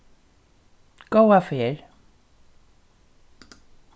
góða ferð